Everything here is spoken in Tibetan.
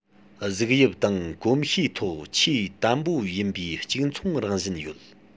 གཟུགས དབྱིབས དང གོམས གཤིས ཐོག ཆེས དམ པོ ཡིན པའི གཅིག མཚུངས རང བཞིན ཡོད